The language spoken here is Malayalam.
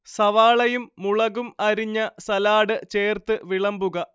സവാളയും മുളകും അരിഞ്ഞ സലാഡ് ചേർത്ത് വിളമ്പുക